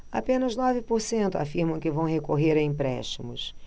apenas nove por cento afirmam que vão recorrer a empréstimos